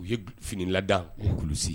U ye fini lada o kuluse